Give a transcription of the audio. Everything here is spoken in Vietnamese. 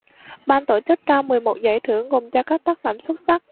ban tổ chức trao mười một giải thưởng gồm cho các tác phẩm xuất sắc